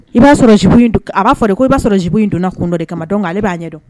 I b'a sɔrɔ zipu in, a b'a fɔ de ko i b'a sɔrɔ zipu in donna kun dɔ de kama donc ale b'a ɲɛ dɔn